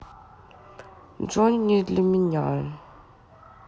джонни не для меня